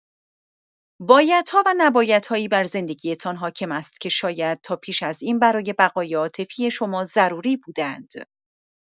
بایدها و نبایدهایی بر زندگی‌تان حاکم است که شاید تا پیش از این برای بقای عاطفی شما ضروری بوده‌اند.